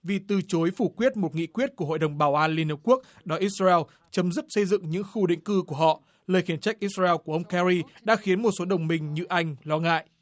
vì từ chối phủ quyết một nghị quyết của hội đồng bảo an liên hiệp quốc mà ít sa reo chấm dứt xây dựng những khu định cư của họ lời khiển trách ít sa reo của ông ke ri đã khiến một số đồng minh như anh lo ngại